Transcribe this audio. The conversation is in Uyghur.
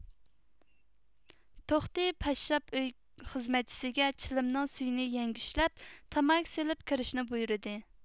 توختى پاششاپ ئۆي خىزمەتچىسىگە چىلىمنىڭ سۈيىنى يەڭگۈشلەپ تاماكا سېلىپ كىرىشىنى بۇيرىدى